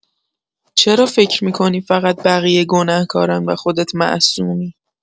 چرا فکر می‌کنی فقط بقیه گنه‌کارن و خودت معصومی؟